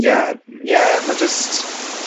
Ie, ie ma' jyst